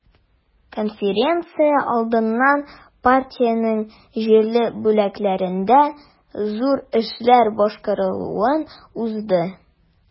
Конференция алдыннан партиянең җирле бүлекләрендә зур эшләр башкарылуын узды.